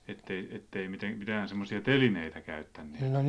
että ei että ei mitään semmoisia telineitä käyttäneet